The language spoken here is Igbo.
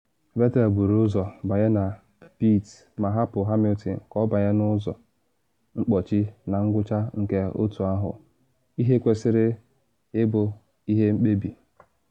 Vettel buru ụzọ banye na pit ma hapụ Hamilton ka ọ banye n’ụzọ mkpọchi na ngwụcha nke otu ahụ, ihe kwesịrị ịbụ ihe mkpebi.